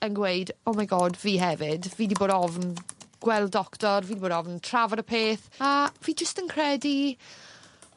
yn gweud Oh my God fi hefyd, fi 'di bod ofn gweld doctor fi 'di bod ofn trafod y peth, a fi jyst yn credu